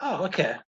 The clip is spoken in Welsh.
o oce.